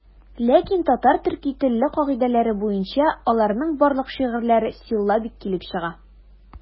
Ләкин татар-төрки теле кагыйдәләре буенча аларның барлык шигырьләре силлабик килеп чыга.